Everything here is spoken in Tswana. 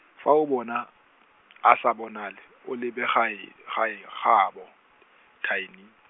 fa o bona , a sa bonale, o lebe gae, gae gaabo, Tiny.